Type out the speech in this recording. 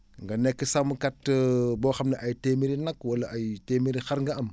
nga nekk sàmmkat boo xam ne ay téeméeri nag wala ay téeméeri xar nga am